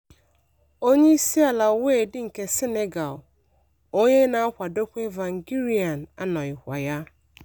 Onyeisiala Wade nke Senegal, onye na akwadokwa Tsvangirai anọghịkwa ya.